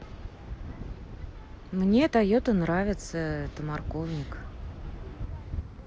мне тойота нравится это морковник